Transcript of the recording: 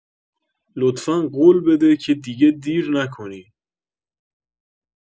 لطفا قول بده که دیگه دیر نکنی